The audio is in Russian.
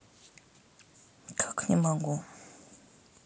как не могу